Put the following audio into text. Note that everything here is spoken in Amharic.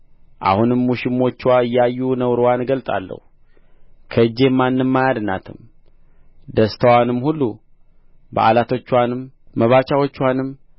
አሁንም ውሽሞችዋ እያዩ ነውርዋን እገልጣለሁ ከእጄም ማንም አያድናትም ደስታዋንም ሁሉ በዓላቶችዋንም መባቻዎችዋንም